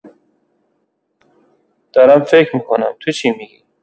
دارم فکر می‌کنم، تو چی می‌گی؟